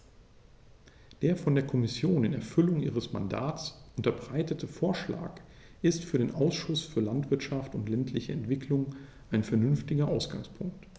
Der von der Kommission in Erfüllung ihres Mandats unterbreitete Vorschlag ist für den Ausschuss für Landwirtschaft und ländliche Entwicklung ein vernünftiger Ausgangspunkt.